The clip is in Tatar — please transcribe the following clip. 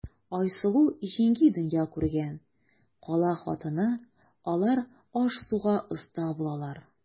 Айсылу җиңги дөнья күргән, кала хатыны, алар аш-суга оста булалар.